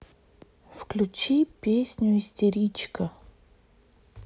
включи песню истеричка